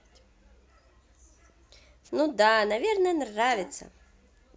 ну да наверное нравится